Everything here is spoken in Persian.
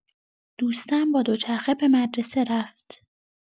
دوستم با دوچرخه به مدرسه رفت.